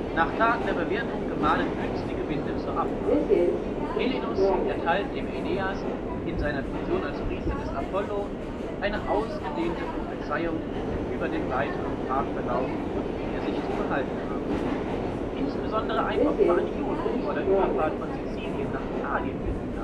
Nach Tagen der Bewirtung gemahnen günstige Winde zur Abfahrt. Helenus erteilt dem Aeneas in seiner Funktion als Priester des Apollo eine ausgedehnte Prophezeiung über den weiteren Fahrtverlauf und wie er sich zu verhalten habe. Insbesondere ein Opfer an Juno vor der Überfahrt von Sizilien nach Italien wird ihm nahegelegt. Nach